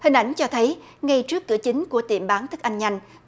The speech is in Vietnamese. hình ảnh cho thấy ngay trước cửa chính của tiệm bán thức ăn nhanh